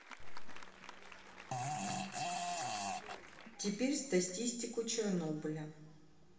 теперь статистику чернобыля